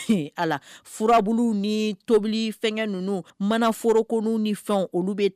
Mana fɛn olu